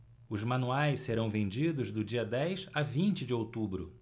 os manuais serão vendidos do dia dez a vinte de outubro